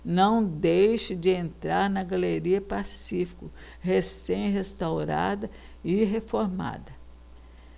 não deixe de entrar na galeria pacífico recém restaurada e reformada